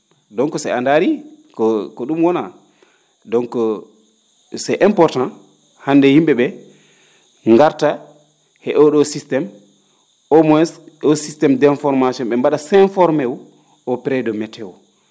donc so a ndaari ko ko ?um wonaa donc c' est important hannde yim?e ?ee ndaarta he oo ?oo systéme au moins o systéme d' information ?e mba?a s' informé wu au prés de météo